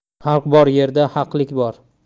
xalq bor yerda haqlik bor